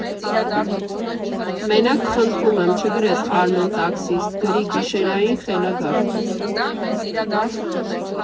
Մենակ, խնդրում եմ, չգրես «Արմեն֊տաքսիստ», գրի «Գիշերային խելագար»։